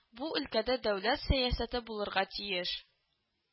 Бу өлкәдә дәүләт сәясәте булырга тиеш